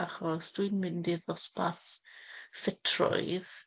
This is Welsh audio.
Achos dwi'n mynd i'r dosbarth ffitrwydd.